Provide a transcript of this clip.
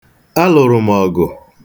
Alụrụ m ọgụ.